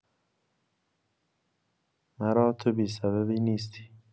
مرا تو بی‌سببی نیستی.